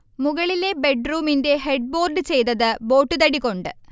മുകളിലെ ബെഡ്റൂമിന്റെ ഹെഡ്ബോർഡ് ചെയ്തത് ബോട്ട്തടി കൊണ്ട്